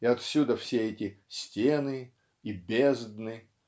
и отсюда все эти "стены" и "бездны"